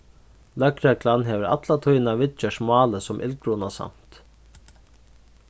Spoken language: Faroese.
løgreglan hevur alla tíðina viðgjørt málið sum illgrunasamt